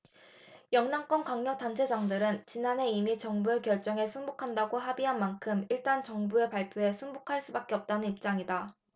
영남권 광역단체장들은 지난해 이미 정부의 결정에 승복한다고 합의한 만큼 일단 정부 발표에 승복할 수밖에 없다는 입장이다